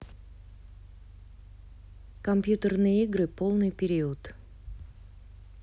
компьютерные игры полный период